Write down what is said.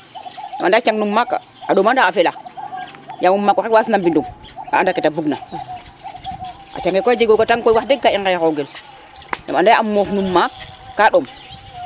anda ye a cang no maak a ndoma nda a fela yamo mako xe waas na mbinum a anda kete bug na a cange koy a jego ga tang waxdeg ka i ŋexo gel yam anda ye a moof no maak ka ɗom